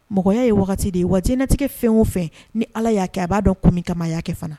Mɔgɔya ye waati de ye, wa jiɲɛnatigɛ fɛn o fɛn, ni ala y'a kɛ,a b'a dɔn kun min kama a y'a kɛ fana.